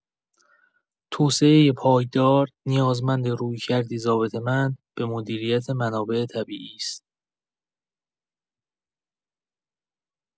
توسعۀ پایدار نیازمند رویکردی ضابطه‌مند به مدیریت منابع طبیعی است.